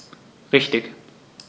Richtig